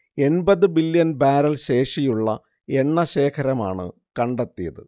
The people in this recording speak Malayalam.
എൺപതു ബില്ല്യൺ ബാരൽ ശേഷിയുള്ള എണ്ണശേഖരമാണ് കണ്ടെത്തിയത്